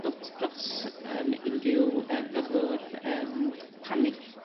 dot dros yrm unrhyw yrr gyflwr yrm panig